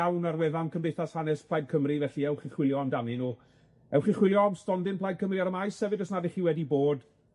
iawn ar wefan Cymdeithas Hanes Plaid Cymru, felly ewch i chwilio amdanyn nw. Ewch i chwilio am stondin Plaid Cymru ar y maes hefyd os nad 'ych chi wedi bod.